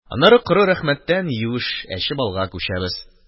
Аннары коры рәхмәттән юеш әче балга күчәбез.